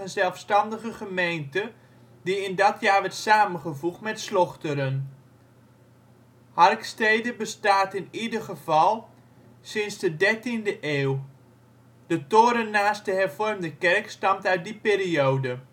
zelfstandige gemeente, die in dat jaar werd samengevoegd met Slochteren. Harkstede bestaat in ieder geval sinds de dertiende eeuw. De toren naast de Hervormde kerk stamt uit die periode